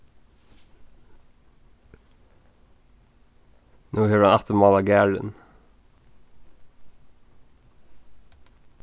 nú hevur hann aftur málað garðin